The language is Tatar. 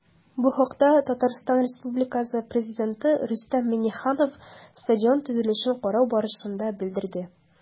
Бу хакта ТР Пррезиденты Рөстәм Миңнеханов стадион төзелешен карау барышында белдерде.